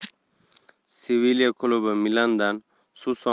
sevilya klubi milan dan susoni